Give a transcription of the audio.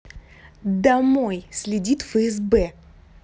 домой следит фсб